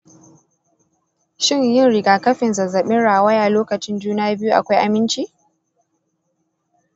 shin yin rigakafin zazzabin rawaya lokacin juna biyu akwai aminci?